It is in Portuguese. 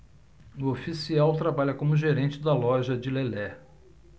o oficial trabalha como gerente da loja de lelé